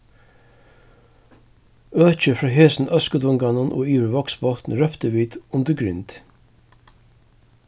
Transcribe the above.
økið frá hesum øskudunganum og yvir í vágsbotn róptu vit undir grind